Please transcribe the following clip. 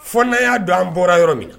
Fɔ nna y'a don an bɔra yɔrɔ min na